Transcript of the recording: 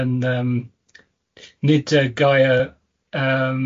yn yym, nid y gair yym